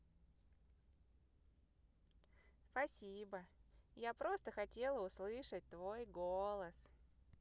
спасибо я просто хотела услышать твой голос